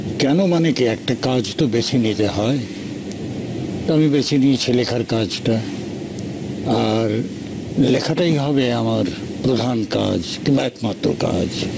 কেন মানে কি একটা কাজ তো বেছে নিতে হয় তো আমি বেশি নিয়েছি লেখার কাজটা আর লেখাটাই হবে আমার প্রধান কাজ কিংবা একমাত্র কাজ